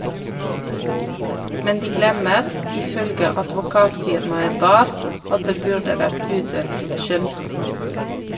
Men de glemmer, ifølge advokatfirmaet BA-HR , at det burde vært utøvd skjønn.